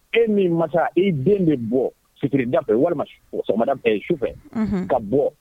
E min ma i den de bɔ sutirida fɛ walima o bɛɛ ye su fɛ ka bɔ